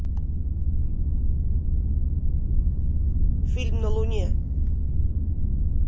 фильм на луне